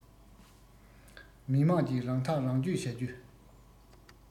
མི དམངས ཀྱིས རང ཐག རང གཅོད བྱ རྒྱུ